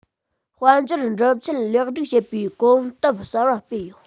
གསུམ དཔལ འབྱོར སྒྲུབ ཚུལ ལེགས སྒྲིག བྱེད པའི གོམ སྟབས གསར པ སྤོས ཡོད